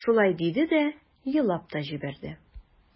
Шулай диде дә елап та җибәрде.